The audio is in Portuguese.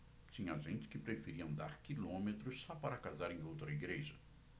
tinha gente que preferia andar quilômetros só para casar em outra igreja